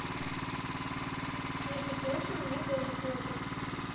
между прочим у меня тоже котик